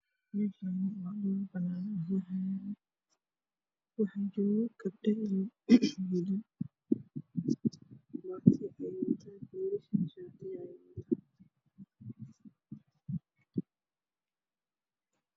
Waa meel barxad ah waxaa jooga gabdhiyo wilal sadex